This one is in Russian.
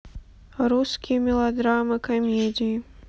русские мелодрамы комедии